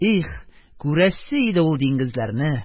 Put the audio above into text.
Их, күрәсе иде ул диңгезләрне!